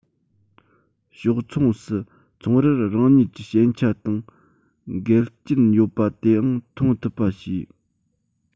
ཕྱོགས མཚུངས སུ ཚོང རར རང ཉིད ཀྱི ཞན ཆ དང འགལ རྐྱེན ཡོད པ དེའང མཐོང ཐུབ པ བྱས